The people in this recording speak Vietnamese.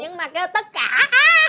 nhưng mà kêu tất cả